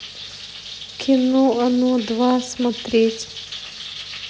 кино оно два смотреть